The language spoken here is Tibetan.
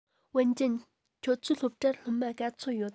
ཝུན ཅུན ཁྱོད ཚོའི སློབ གྲྭར སློབ མ ག ཚོད ཡོད